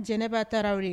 Jɛnɛba Tarawere